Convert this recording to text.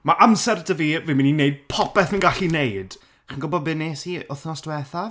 ma' amser 'da fi fi'n mynd i wneud popeth fi'n gallu wneud chi'n gwybod beth wnes i wythnos diwethaf?